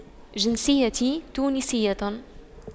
جنسيتي تونسية